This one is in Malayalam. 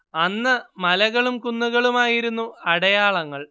അന്ന് മലകളും കുന്നുകളുമായിരുന്നു അടയാളങ്ങൾ